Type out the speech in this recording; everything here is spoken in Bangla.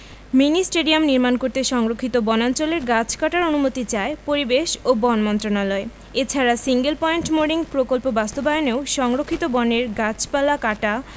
মিনি স্টেডিয়াম নির্মাণ করতে সংরক্ষিত বনাঞ্চলের গাছ কাটার অনুমতি চায় পরিবেশ ও বন মন্ত্রণালয় এছাড়া সিঙ্গেল পয়েন্ট মোরিং প্রকল্প বাস্তবায়নেও সংরক্ষিত বনের গাছপালা কাটা